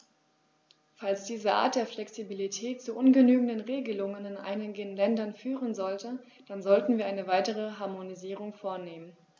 Falls diese Art der Flexibilität zu ungenügenden Regelungen in einigen Ländern führen sollte, dann sollten wir eine weitere Harmonisierung vornehmen.